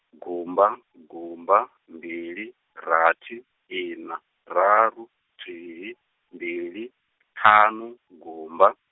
gumba, gumba, mbili, rathi, ina, raru, thihi, mbili, ṱhanu, gumba.